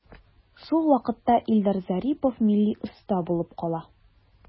Шул ук вакытта Илдар Зарипов милли оста булып кала.